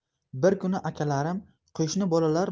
bir kuni akalarim qo'shni bolalar